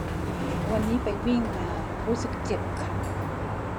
วันนี้ไปวิ่งมารู้สึกเจ็บเข่า